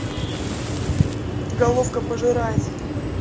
головка пожиратель